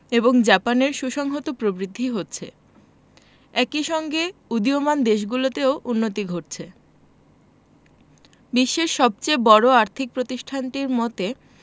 এবং জাপানের সুসংহত প্রবৃদ্ধি হচ্ছে একই সঙ্গে উদীয়মান দেশগুলোতেও উন্নতি ঘটছে বিশ্বের সবচেয়ে বড় আর্থিক প্রতিষ্ঠানটির মতে